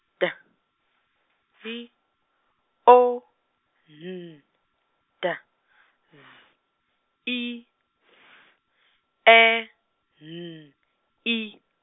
D Y O N D Z I S E N I.